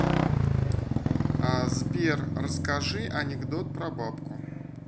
сбер расскажи анекдот про бабку